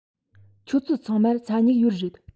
ཁྱོད ཚོ ཚང མར ས སྨྱུག ཡོད རེད